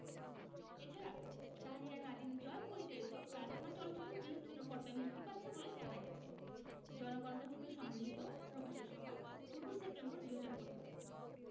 এ ছাড়া শাহরিয়ার নাজিম জয় পরিচালিত প্রার্থনা চলচ্চিত্রটি ছোট পর্দায় মুক্তি পাচ্ছে বলে জানা গেছে জনকণ্ঠ হতে সংগৃহীত প্রকাশের সময় ২৪ সেপ্টেম্বর ২০১৫